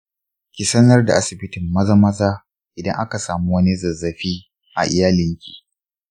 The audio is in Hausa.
ki sanar da asibitin maza maza idan aka samu wani mai zazzafi a iyalanki.